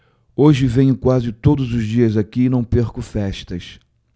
hoje venho quase todos os dias aqui e não perco festas